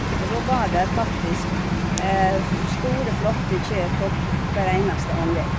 Og da var der faktisk f store, flotte kjø på k hver eneste angel.